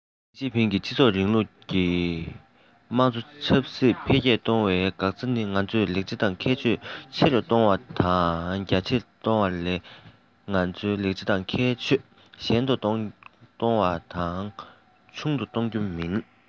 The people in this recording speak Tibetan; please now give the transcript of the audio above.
ཞིས ཅིན ཕིང གིས སྤྱི ཚོགས རིང ལུགས ཀྱི དམངས གཙོ ཆབ སྲིད འཕེལ རྒྱས གཏོང བའི འགག རྩ ནི ང ཚོའི ལེགས ཆ དང ཁྱད ཆོས ཆེ རུ གཏོང བ དང རྒྱ ཆེར གཏོང བ ལས ང ཚོའི ལེགས ཆ དང ཁྱད ཆོས ཞན དུ གཏོང བ དང ཆུང དུ གཏོང རྒྱུ དེ མིན